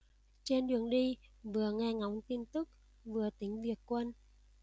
trên đường đi vừa nghe ngóng tin tức vừa tính việc quân